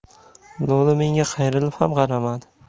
lo'li menga qayrilib ham qaramadi